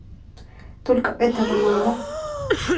только этого мало